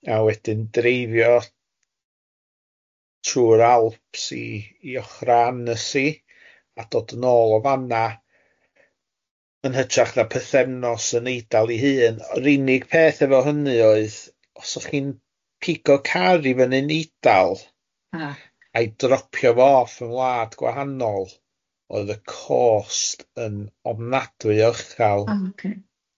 A wedyn dreifio trw'r Alps i i ochrau Anasea a dod yn ôl o fana yn hytrach na pythefnos yn Eidal ei hun. Yr unig peth efo hynny oedd, os oedd chi'n pigo car i fyny'n Eidal a a'i dropio fo off mewn wlad gwahanol, oedd y cost yn ofnadwy o ychel. A ocê.